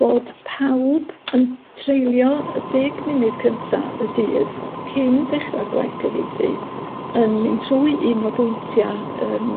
bod pawb yn treulio y deg munud cynta y dydd cyn dechra'r gwaith cyfieithu yn mynd trwy un o bwyntia' yym